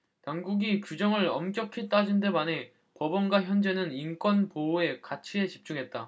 당국이 규정을 엄격히 따진 데 반해 법원과 헌재는 인권보호의 가치에 집중했다